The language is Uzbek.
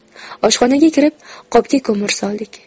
oshxonaga kirib qopga ko'mir soldik